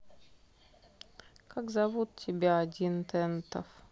как зовут тебя один тентов